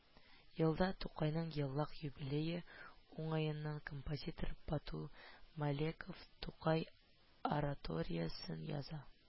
Елда тукайның еллык юбилее уңаеннан композитор бату мөлеков «тукай» ораториясен яза